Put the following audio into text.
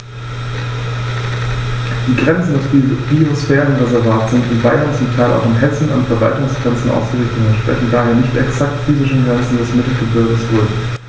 Die Grenzen des Biosphärenreservates sind in Bayern, zum Teil auch in Hessen, an Verwaltungsgrenzen ausgerichtet und entsprechen daher nicht exakten physischen Grenzen des Mittelgebirges Rhön.